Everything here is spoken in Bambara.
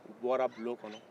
u bɔra bulon kɔnɔ